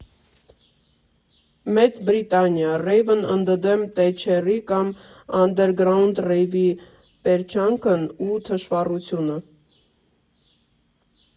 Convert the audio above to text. Մեծ Բրիտանիա Ռեյվն ընդդեմ Թետչերի կամ անդերգրաունդ ռեյվի պերճանքն ու թշվառությունը։